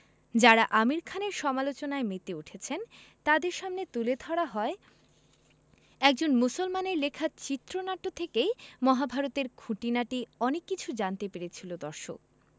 যাঁরা আমির খানের সমালোচনায় মেতে উঠেছেন তাঁদের সামনে তুলে ধরা হয় একজন মুসলমানের লেখা চিত্রনাট্য থেকেই মহাভারত এর খুঁটিনাটি অনেক কিছু জানতে পেরেছিল দর্শক